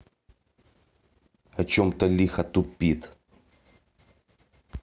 о чем то лихо тупит